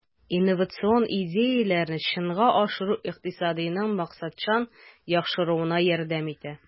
Инновацион идеяләрне чынга ашыру икътисадның максатчан яхшыруына ярдәм итә.